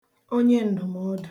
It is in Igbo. onyeǹdụmọdụ̀